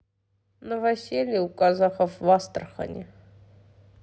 новоселье у казахов в астрахани